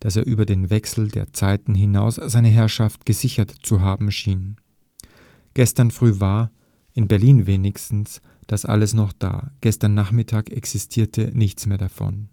dass er über den Wechsel der Zeiten hinaus seine Herrschaft gesichert zu haben schien. (…) Gestern früh war, in Berlin wenigstens, das alles noch da. Gestern Nachmittag existierte nichts mehr